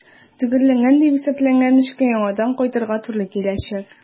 Төгәлләнгән дип исәпләнгән эшкә яңадан кайтырга туры киләчәк.